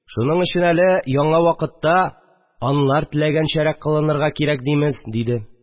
Шуның өчен әле яңа вакытта алар теләгәнчәрәк кылынырга кирәк димез, – диде